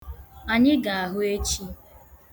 Anyị ga-ahụ echi.